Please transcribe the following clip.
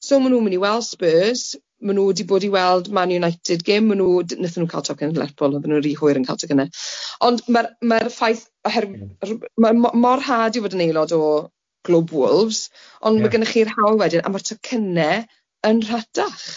So maen nw'n mynd i weld Spurs maen n'w wedi bod i weld Man Utd gêm maen n'w d- nathen nw'm cael tocyn Lerpwl odden nw'n ry hwyr yn ca'l tocynne ond ma'r ma'r ffaith oherwydd ma' mor rhad i fod yn aelod o Glwb Wolves ond ma' gennych chi'r hawl wedyn a ma'r tocynne yn rhatach.